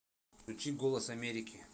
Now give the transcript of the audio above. включи голос омерики